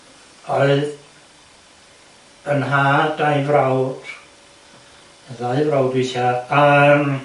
Oedd yn nhad a'i frawd... y ddau frawd withia...yym